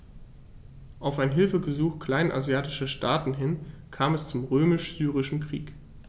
Auf ein Hilfegesuch kleinasiatischer Staaten hin kam es zum Römisch-Syrischen Krieg.